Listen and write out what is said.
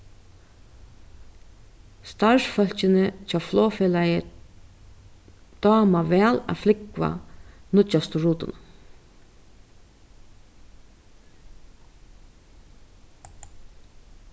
starvsfólkini hjá flogfelagi dáma væl at flúgva nýggjastu rutuna